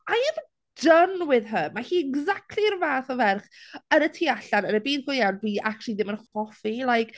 I am done with her. Mae hi exactly yr fath o ferch ar y tu allan yn y byd go iawn fi actually ddim yn hoffi like...